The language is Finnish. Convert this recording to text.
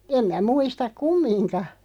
en minä muista kumminkaan